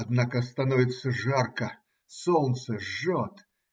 Однако становится жарко. Солнце жжет.